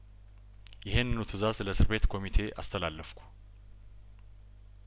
ይሄን ኑ ትእዛዝ ለእስር ቤት ኮሚቴ አስተላ ለፍኩ